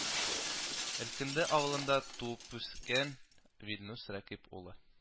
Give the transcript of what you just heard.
Өлкенде авылында туып үскән Вильнюс Рәкыйп улы